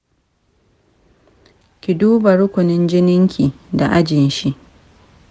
ki duba rukunin jininki da ajin shi.